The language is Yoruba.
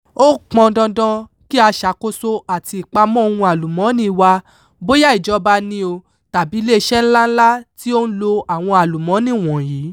Ó pọn dandan kí a ṣàkóso àti ìpamọ́ ohun àlùmọ́ọ́nì wa, bóyá ìjọba ni o tàbí iléeṣẹ́ ńláńlá tí ó ń lo àwọn àlùmọ́ọ́nì wọ̀nyí.